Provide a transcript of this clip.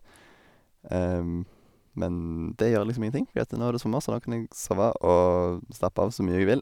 Men det gjør liksom ingenting, fordi at nå er det sommer, så nå kan jeg sove og slappe av så mye jeg vil.